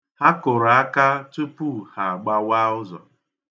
Ha kụrụ aka tupu ha agbawaa ụzọ.